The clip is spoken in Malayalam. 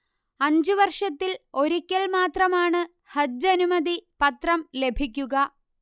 അഞ്ചു വർഷത്തിൽ ഒരിക്കൽ മാത്രമാണ് ഹജ്ജ് അനുമതി പത്രം ലഭിക്കുക